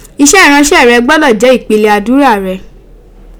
Ise iranse re gbodo je ipile adura re